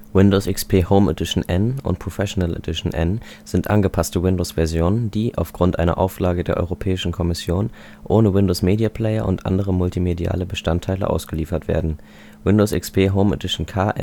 Windows XP Home Edition N und Professional Edition N sind angepasste Windows-Versionen die – aufgrund einer Auflage der Europäischen Kommission – ohne Windows Media Player und andere multimediale Bestandteile ausgeliefert werden. Windows XP Home Edition KN